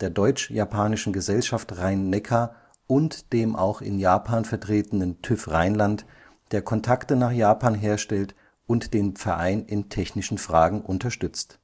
der Deutsch-Japanischen Gesellschaft Rhein-Neckar und dem auch in Japan vertretenen TÜV Rheinland, der Kontakte nach Japan herstellt und den Verein in technischen Fragen unterstützt